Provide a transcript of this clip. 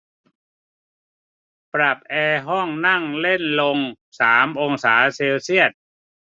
ปรับแอร์ห้องนั่งเล่นลงสามองศาเซลเซียส